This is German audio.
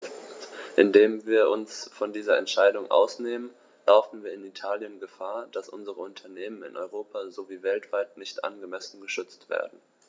Indem wir uns von dieser Entscheidung ausnehmen, laufen wir in Italien Gefahr, dass unsere Unternehmen in Europa sowie weltweit nicht angemessen geschützt werden.